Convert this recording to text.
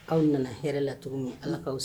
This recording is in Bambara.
Aw nana hɛrɛ lat min ala k' awaw siran